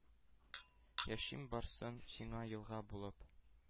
Яшем барсын сиңа елга булып,